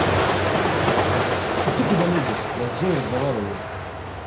а ты куда лезешь я с джой разговариваю